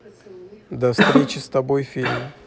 до встречи с тобой фильм